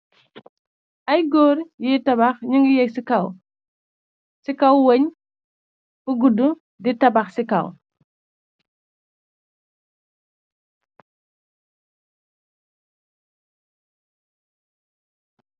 Ay góor yuy tabax ñu ngi yeg ci kaw ci kaw weñ ba guddu di tabax ci kaw.